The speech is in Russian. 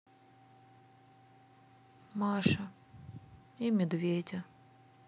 маша и медведя